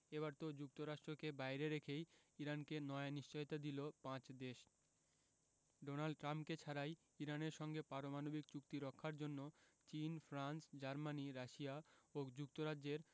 এবার তো যুক্তরাষ্ট্রকে বাইরে রেখেই ইরানকে নয়া নিশ্চয়তা দিল পাঁচ দেশ ডোনাল্ড ট্রাম্পকে ছাড়াই ইরানের সঙ্গে পারমাণবিক চুক্তি রক্ষার জন্য চীন ফ্রান্স জার্মানি রাশিয়া ও যুক্তরাজ্যের